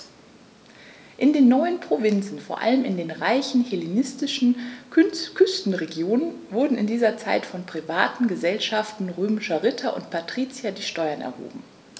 In den neuen Provinzen, vor allem in den reichen hellenistischen Küstenregionen, wurden in dieser Zeit von privaten „Gesellschaften“ römischer Ritter und Patrizier die Steuern erhoben.